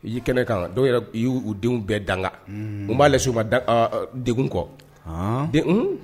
Hiji kɛnɛ kan dɔw yɛrɛ yu denw bɛɛ danga mun ba lase u ma degun kɔ